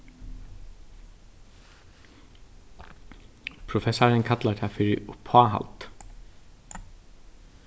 professarin kallar tað fyri uppáhald